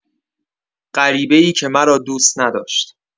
غریبه‌ای که مرا دوست نداشت